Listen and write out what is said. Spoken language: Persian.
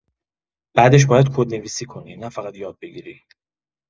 بعدش باید کدنویسی کنی، نه‌فقط یاد بگیری.